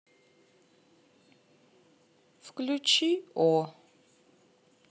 включи о